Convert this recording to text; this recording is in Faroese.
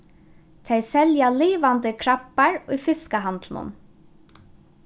tey selja livandi krabbar í fiskahandlinum